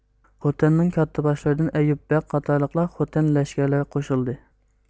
خوتەننىڭ كاتتىباشلىرىدىن ئەييۇب بەگ قاتارلىقلار خوتەن لەشكىرىگە قوشۇلدى